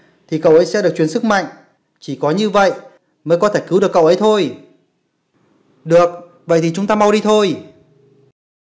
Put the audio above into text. thì cậu ấy sẽ được truyền sức mạnh chỉ có như vậy mới có thể cứu được cậu ấy thôi được vậy thì chúng ta mau đi thôi